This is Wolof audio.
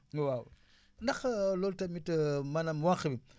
waaw ndax loolu tamit maanaam wànq bi